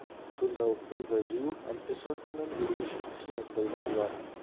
Шунда ук имза җыю һәм эш артыннан йөрү өчен кешеләр сайладылар.